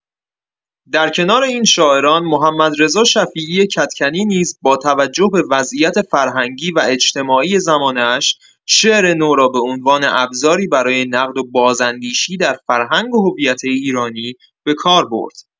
در کنار این شاعران، محمدرضا شفیعی کدکنی نیز با توجه به وضعیت فرهنگی و اجتماعی زمانه‌اش، شعر نو را به‌عنوان ابزاری برای نقد و بازاندیشی در فرهنگ و هویت ایرانی به‌کار برد.